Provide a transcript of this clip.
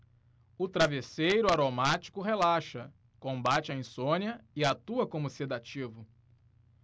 o travesseiro aromático relaxa combate a insônia e atua como sedativo